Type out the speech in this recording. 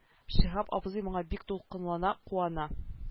Шиһап абзый моңа бик дулкынлана куана